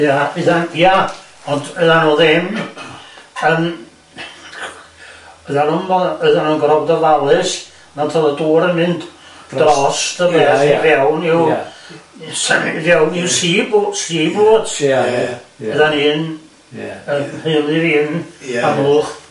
Ia oeddan- ia... ond oeddan n'w ddim yn... oeddan n'w'm... oeddan n'w'n gorfod bod yn ofalus na to'dd y dŵr yn mynd drost y i fewn i'w sea boots i fewn i'w sea boots ... Ia ia ia... I fy nheulu i yn Amlwch